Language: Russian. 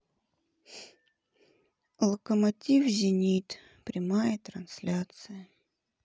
локомотив зенит прямая трансляция